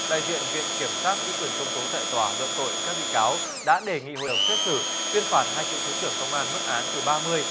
đại diện viện kiểm sát giữ quyền công tố tại tòa luận tội các bị cáo đã đề nghị hội đồng xét xử tuyên phạt hai cựu thứ trưởng công an mức án từ ba mươi